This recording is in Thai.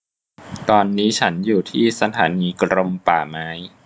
ตอนนี้ฉันอยู่ที่สถานีกรมป่าไม้